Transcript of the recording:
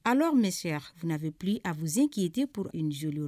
Alors mes sœurs vous n'avez plus à vous occuper pour une joulour